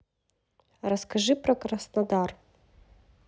расскажи про краснодар